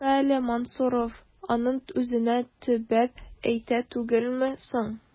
Тукта әле, Мансуров аның үзенә төбәп әйтә түгелме соң? ..